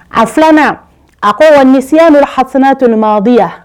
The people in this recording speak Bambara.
A filanan a ko wa ni siya don hauna tunmabi yan